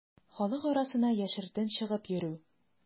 Халык арасына яшертен чыгып йөрү.